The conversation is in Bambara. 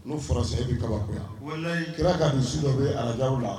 N'o farasayi bɛ kabako yan i kira ka su dɔ bɛ ara la